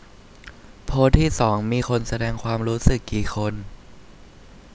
โพสต์ที่สองมีคนแสดงความรู้สึกกี่คน